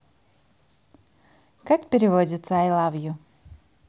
как переводится i love you